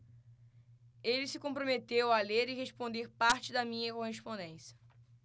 ele se comprometeu a ler e responder parte da minha correspondência